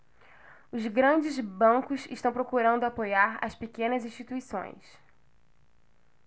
os grandes bancos estão procurando apoiar as pequenas instituições